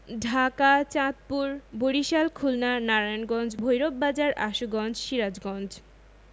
Dhaka Chandpur Barishal Khulna Narayanganj Bhairab Bazar Ashuganj Sirajganj